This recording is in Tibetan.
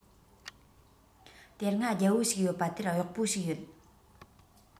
དེ སྔ རྒྱལ པོ ཞིག ཡོད པ དེར གཡོག པོ ཞིག ཡོད